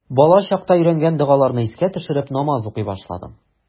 Балачакта өйрәнгән догаларны искә төшереп, намаз укый башладым.